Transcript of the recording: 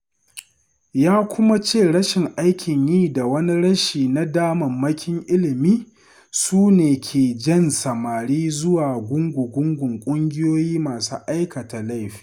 Ya kuma ce rashin aikin yi da wani rashi na damammakin ilmi su ne ke jan samari zuwa gungun ƙungiyoyi masu aikata laifi.